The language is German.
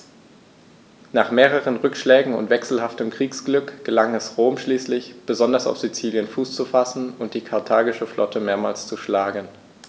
Nach mehreren Rückschlägen und wechselhaftem Kriegsglück gelang es Rom schließlich, besonders auf Sizilien Fuß zu fassen und die karthagische Flotte mehrmals zu schlagen.